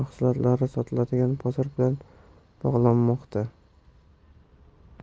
mahsulotlari sotiladigan bozor bilan bog'lashmoqda